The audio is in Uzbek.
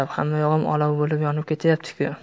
hamma yog'im olov bo'lib yonib ketyapti ku